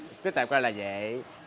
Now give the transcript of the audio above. cứ tạm coi là dậy